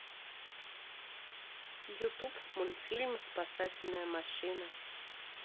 ютуб мультфильм спасательная машина